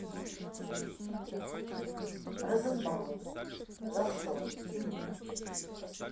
розенбаум застольная